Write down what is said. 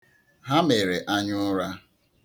Ha mere anyaụra.